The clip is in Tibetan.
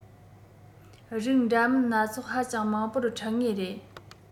རིགས འདྲ མིན སྣ ཚོགས ཧ ཅང མང པོར འཕྲད ངེས རེད